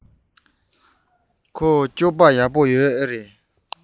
ཁོ སྤྱོད པ ཡག པོ ཡོད མ རེད པས